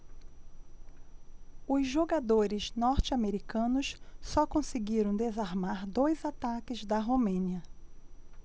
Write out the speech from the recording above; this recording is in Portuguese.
os jogadores norte-americanos só conseguiram desarmar dois ataques da romênia